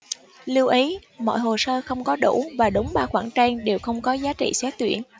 lưu ý mọi hồ sơ không có đủ và đúng ba khoản trên đều không có giá trị xét tuyển